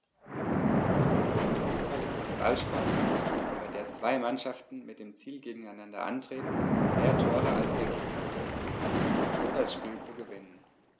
Fußball ist eine Ballsportart, bei der zwei Mannschaften mit dem Ziel gegeneinander antreten, mehr Tore als der Gegner zu erzielen und so das Spiel zu gewinnen.